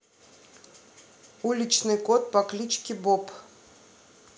уличный кот по кличке боб